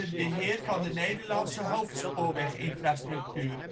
beheer van de Nederlandse hoofdspoorweginfrastructuur